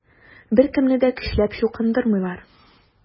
Беркемне дә көчләп чукындырмыйлар.